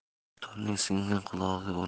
dutorning singan qulog'i